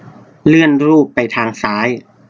เลื่อนรูปไปทางซ้าย